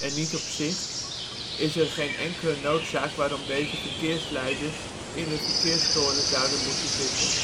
niet op zicht, is er geen enkele noodzaak waarom deze verkeersleiders in de verkeerstoren zouden moeten zitten